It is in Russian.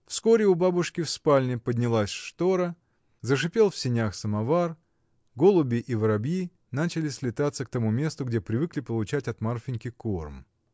Вскоре у бабушки в спальне поднялась стора, зашипел в сенях самовар, голуби и воробьи начали слетаться к тому месту, где привыкли получать от Марфиньки корм.